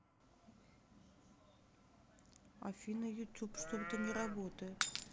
афина youtube что то не работает